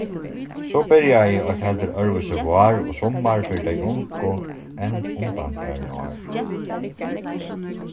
so byrjaði eitt heldur øðrvísi vár og summar fyri tey ungu enn undanfarin ár